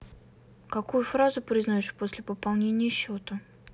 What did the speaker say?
какую фразу произносишь после пополнения счета